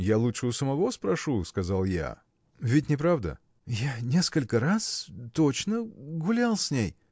– Я лучше у самого спрошу, сказал я. Ведь неправда? – Я несколько раз. точно. гулял с ней.